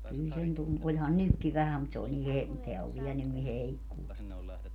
kyllä sen - olihan nytkin vähän mutta se oli niin - tämä on vielä nyt niin heikkoa